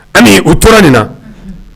Ani u tora nin na